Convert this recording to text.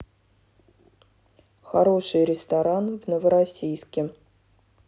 хороший ресторан в новороссийске